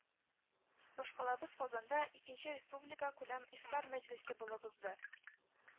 Башкалабыз Казанда икенче Республика күләм ифтар мәҗлесе булып узды